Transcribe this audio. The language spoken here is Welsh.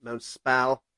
mewn sbel.